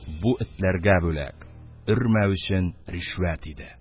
Бу этләргә бүләк — өрмәү өчен ришвәт иде.